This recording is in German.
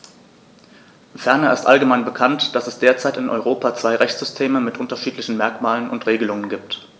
Ferner ist allgemein bekannt, dass es derzeit in Europa zwei Rechtssysteme mit unterschiedlichen Merkmalen und Regelungen gibt.